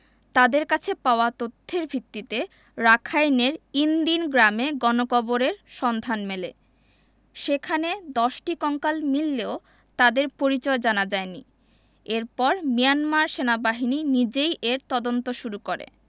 তাঁদের কাছে পাওয়া তথ্যের ভিত্তিতে রাখাইনের ইন দিন গ্রামে গণকবরের সন্ধান মেলে সেখানে ১০টি কঙ্কাল মিললেও তাদের পরিচয় জানা যায়নি এরপর মিয়ানমার সেনাবাহিনী নিজেই এর তদন্ত শুরু করে